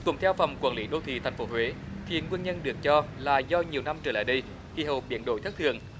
cũng theo phòng quản lý đô thị thành phố huế hiện nguyên nhân được cho là do nhiều năm trở lại đây khí hậu biến đổi thất thường